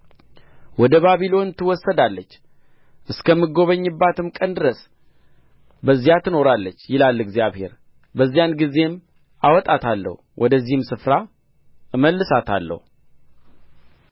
ወደ ባቢሎን ትወሰዳለች እስከምጐበኛትም ቀን ድረስ በዚያ ትኖራለች ይላል እግዚአብሔር በዚያን ጊዜም አወጣታለሁ ወደዚህም ስፍራ እመልሳታለሁ